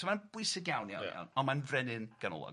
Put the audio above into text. So mae'n bwysig iawn iawn iawn ond mae'n frenin ganolog.